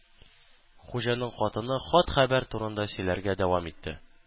Хуҗаның хатыны хат-хәбәр турында сөйләргә дәвам итте